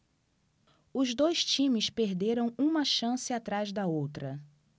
os dois times perderam uma chance atrás da outra